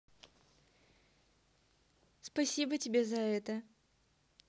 спасибо тебе за это